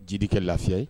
Jidi kɛ la ye